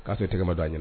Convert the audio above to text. Ka sentɛgɛ ma da.